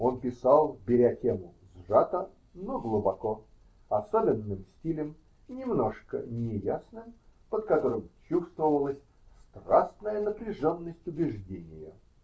Он писал, беря тему сжато, но глубоко, особенным стилем, немножко неясным, под которым чувствовалась страстная напряженность убеждения.